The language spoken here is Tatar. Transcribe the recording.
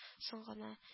Соң гына